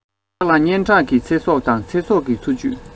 བདག ལ སྙན ངག གི ཚེ སྲོག དང ཚེ སྲོག གི འཚོ བཅུད